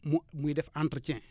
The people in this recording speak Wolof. mu muy def entretien